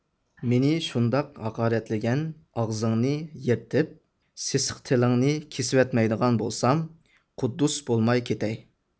مېنى شۇنداق ھاقارەتلىگەن ئاغزىڭنى يىرتىپ سېسىق تىلىڭنى كېسىۋەتمەيدىغان بولسام قۇددۇس بولماي كېتەي